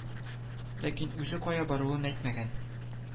Ләкин үзе кая баруын әйтмәгән